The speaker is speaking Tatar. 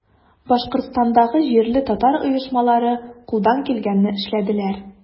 Башкортстандагы җирле татар оешмалары кулдан килгәнне эшләделәр.